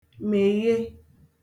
mèghe